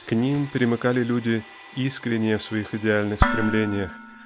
К ним примыкали люди искренние в своих идеальных стремлениях